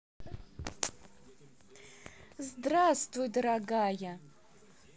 здравствуй дорогая